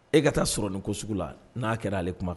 E ka taa sɔrɔ nin ko sugu la n'a kɛra'ale kuma